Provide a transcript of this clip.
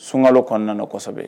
Sunkalo kɔnɔna kosɛbɛ